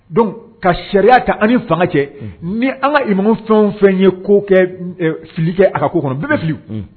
Don ka sariya kan an ni fanga cɛ ni an ka i ma fɛn fɛn ye fili kɛ a ka ko kɔnɔ bɛɛ bɛ fili